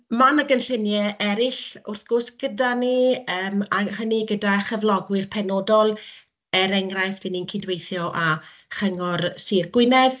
Ma' 'na gynlluniau eraill wrth gwrs gyda ni, yym a hynny gyda chyflogwyr penodol, er enghraifft 'y ni'n cydweithio â Chyngor Sir Gwynedd.